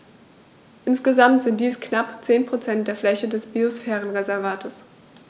Insgesamt sind dies knapp 10 % der Fläche des Biosphärenreservates.